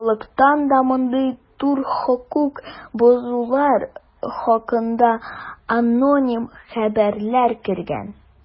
Халыктан да мондый төр хокук бозулар хакында аноним хәбәрләр кергән.